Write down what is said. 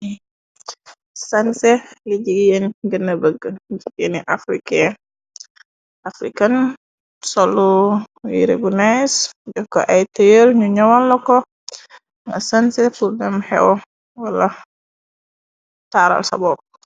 Sanse li jigyeen gëna bëgg, jikkeni african, salu wiire bu naise, jokk ay tëyër ñu ñowan la ko, nga sanse bur dem xew, wala taaral sa bopp.